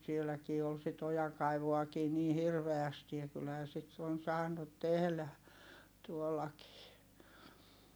sielläkin oli sitä ojankaivuutakin niin hirveästi ja kyllähän sitä on saanut tehdä tuollakin